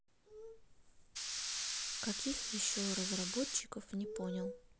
каких еще разработчиков не понял